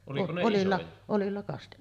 oljilla oljilla -